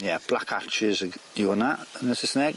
Ie Black Arches ag- 'di hwnna yn y Sysneg.